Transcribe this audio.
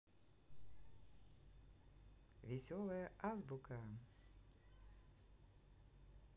веселая азбука